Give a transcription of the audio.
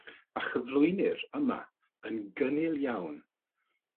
A chyflwynir yma yn gynnil iawn